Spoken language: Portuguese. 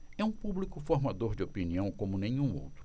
é um público formador de opinião como nenhum outro